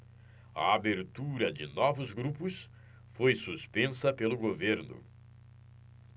a abertura de novos grupos foi suspensa pelo governo